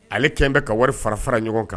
Ale kɛlen bɛ ka wari fara fara ɲɔgɔn kan.